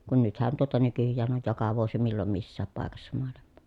kun nythän tuota nykyään on joka vuosi milloin missäkin paikassa maailmaa